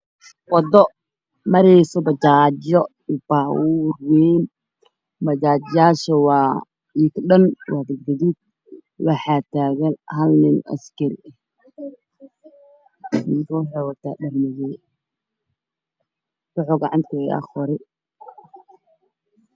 Waa wado mareyso bajaajyo iyo baabuur wayn. Bajaajyadu waa gaduud, waxaa taagan hal nin askari ah waxuu wataa dhar madow gacantana waxuu kuhayaa qori.